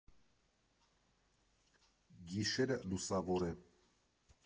Գիշերը լուսավոր է։